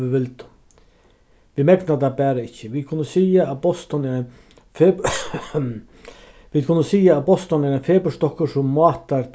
um vit vildu vit megna tað bara ikki vit kunnu siga at boston er ein vit kunnu siga at boston er ein fepurstokkur sum mátar